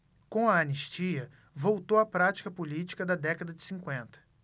com a anistia voltou a prática política da década de cinquenta